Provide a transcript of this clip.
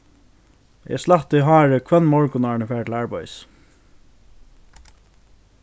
eg slætti hárið hvønn morgun áðrenn eg fari til arbeiðis